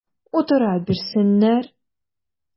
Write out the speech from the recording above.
Утыра бирсеннәр!